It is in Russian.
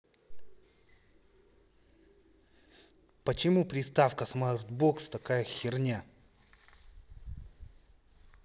почему приставка смарт бокс такая херня